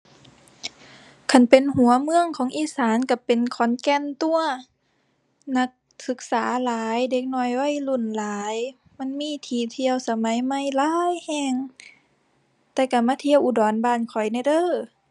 คันเป็นหัวเมืองของอีสานก็เป็นขอนแก่นตั่ว นักศึกษาหลาย เด็กน้อยวัยรุ่นหลาย มันมีที่เที่ยวสมัยใหม่หลายก็ แต่ก็มาเที่ยวอุดรบ้านข้อยแหน่เด้อ